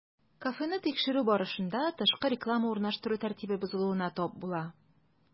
Кафены тикшерү барышында, тышкы реклама урнаштыру тәртибе бозылуына тап була.